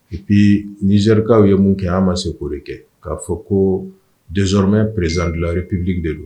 Ppi nizorikaww ye mun kɛ an ma se k'o de kɛ k'a fɔ ko desɔnɔrɔmɛ prezalidurepbiri de don